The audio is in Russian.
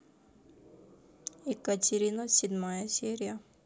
екатерина седьмая серия